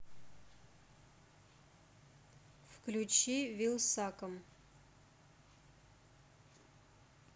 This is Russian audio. включи вилсаком